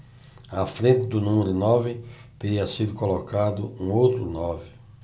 à frente do número nove teria sido colocado um outro nove